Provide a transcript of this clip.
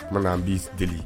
Bamanan bii seli